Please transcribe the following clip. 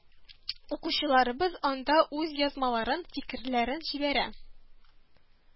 Укучыларыбыз анда үз язмаларын, фикерләрен җибәрә